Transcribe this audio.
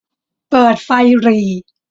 เปิดไฟหรี่